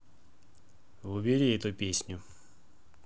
убери эту песню